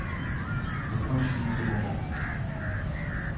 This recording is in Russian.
вы конченные пидарасы